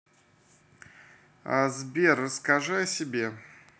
сбер расскажи о себе